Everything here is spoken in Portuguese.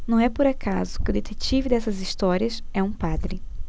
não é por acaso que o detetive dessas histórias é um padre